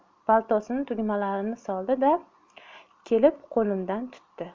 paltosining tugmalarini soldi da kelib qo'limni tutdi